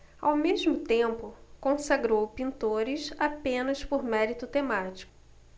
ao mesmo tempo consagrou pintores apenas por mérito temático